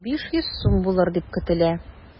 500 сум булыр дип көтелә.